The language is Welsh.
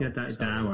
Da ŵan, da ŵan.